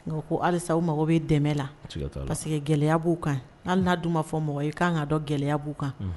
N ko halisa u mago bɛ dɛmɛ la parce que gɛlɛya b'u kan hali n dun u ma fɔ mɔgɔ i kan ka dɔn gɛlɛya b'u kan